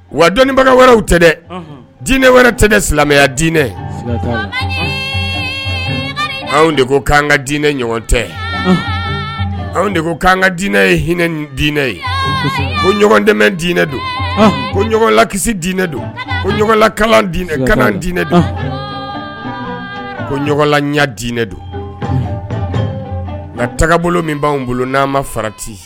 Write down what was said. Wa dɔnniinbaga wɛrɛw tɛ dɛ dinɛ wɛrɛ tɛ ne silamɛya diinɛ anw de ko k'an ka diinɛ ɲɔgɔn tɛ anw de ko k'an ka diinɛ ye hinɛ diinɛ ye ko ɲɔgɔndmɛ diinɛ don ko ɲla kisi diinɛ don kolaka diinɛ kan diinɛ do ko ɲɔgɔnla ɲɛ diinɛ don nka taga bolo min b'an bolo n'an ma farati